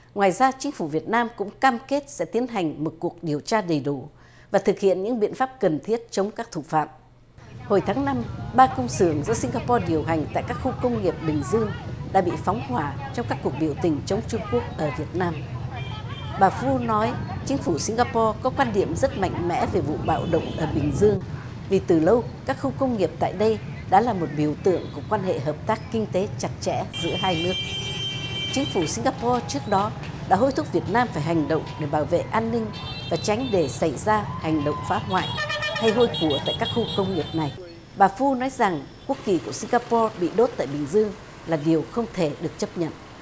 ngoài ra chính phủ việt nam cũng cam kết sẽ tiến hành một cuộc điều tra đầy đủ và thực hiện những biện pháp cần thiết chống các thủ phạm hồi tháng năm ba khung sườn do sing ga po điều hành tại các khu công nghiệp bình dương đã bị phóng hỏa trong các cuộc biểu tình chống trung quốc ở việt nam bà phu nói chính phủ sing ga po có quan điểm rất mạnh mẽ về vụ bạo động ở bình dương vì từ lâu các khu công nghiệp tại đây đã là một biểu tượng của quan hệ hợp tác kinh tế chặt chẽ giữa hai nước chính phủ sing ga po trước đó đã hối thúc việt nam phải hành động để bảo vệ an ninh và tránh để xảy ra hành động phá hoại hay hôi của tại các khu công nghiệp này bà phu nói rằng quốc kỳ của sing ga po bị đốt tại bình dương là điều không thể được chấp nhận